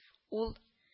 Ул: